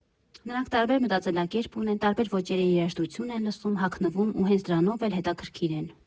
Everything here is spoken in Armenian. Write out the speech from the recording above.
Նրանք տարբեր մտածելակերպ ունեն, տարբեր ոճերի երաժշտություն են լսում, հագնվում ու հենց դրանով էլ հետաքրքիր են։